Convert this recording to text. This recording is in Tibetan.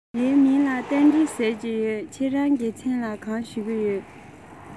ངའི མིང ལ རྟ མགྲིན ཟེར གྱི ཡོད ཁྱེད རང གི མཚན ལ གང ཞུ གི ཡོད ན